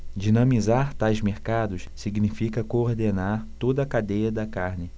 dinamizar tais mercados significa coordenar toda a cadeia da carne